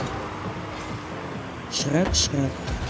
шрэк шрэк